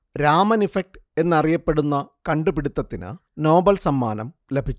Raman effect എന്നറിയപ്പെടുന്ന കണ്ടുപിടിത്തത്തിന് Nobel സമ്മാനം ലഭിച്ചു